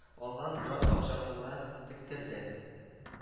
Алган грант акчасына тектерде